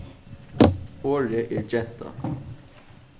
orðið er genta